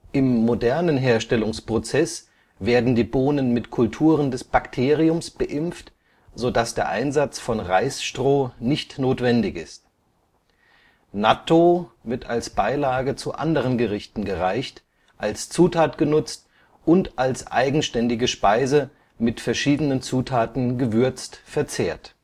Im modernen Herstellungsprozess werden die Bohnen mit Kulturen des Bakteriums beimpft, so dass der Einsatz von Reisstroh nicht notwendig ist. Nattō wird als Beilage zu anderen Gerichten gereicht, als Zutat genutzt und als eigenständige Speise, mit verschiedenen Zutaten gewürzt, verzehrt